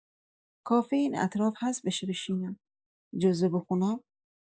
کافه‌ای این اطراف هست بشه بشینم جزوه بخونم؟